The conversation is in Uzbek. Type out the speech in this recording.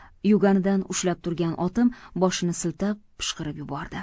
yuganidan ushlab turgan otim boshini siltab pishqirib yubordi